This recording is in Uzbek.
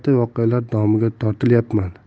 g'alati voqealar domiga tortilyapman